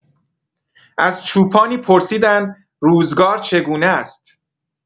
از چوپانی پرسیدند روزگار چگونه است؟